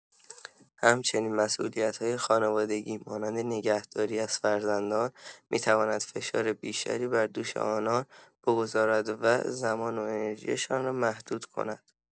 همچنین مسئولیت‌های خانوادگی، مانند نگهداری از فرزندان، می‌تواند فشار بیشتری بر دوش آنان بگذارد و زمان و انرژی‌شان را محدود کند.